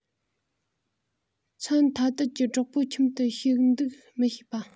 མཚན ཐ དད ཀྱི གྲོགས པོའི ཁྱིམ དུ ཞིག འདུག མི བྱེད པ